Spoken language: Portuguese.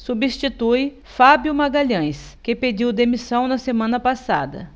substitui fábio magalhães que pediu demissão na semana passada